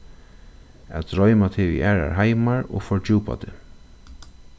at droyma teg í aðrar heimar og fordjúpa teg